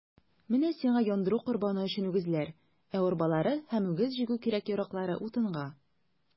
Менә сиңа яндыру корбаны өчен үгезләр, ә арбалары һәм үгез җигү кирәк-яраклары - утынга.